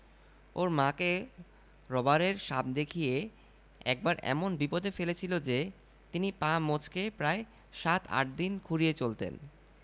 ওর মাকে রবারের সাপ দেখিয়ে একবার এমন বিপদে ফেলেছিল যে তিনি পা মচ্ কে প্রায় সাত আটদিন খুঁড়িয়ে চলতেন